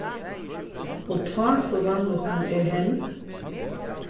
og tá so vanlukkan er hend